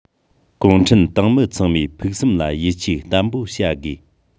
གུང ཁྲན ཏང མི ཚང མས ཕུགས བསམ ལ ཡིད ཆེས བརྟན པོ བྱ དགོས